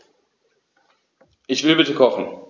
Ich will bitte kochen.